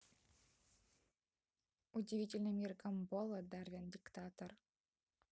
удивительный мир гамбола дарвин диктатор